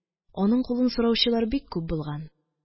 Аның кулын сораучылар бик күп булган.